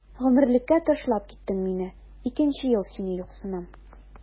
Гомерлеккә ташлап киттең мине, икенче ел сине юксынам.